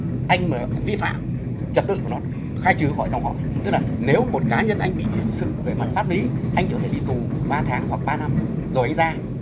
anh mà vi phạm trật tự của nó khai trừ khỏi dòng họ tức là nếu một cá nhân anh bị hình sự về mặt pháp lý anh dũng đi tù ba tháng hoặc ba năm rồi anh ra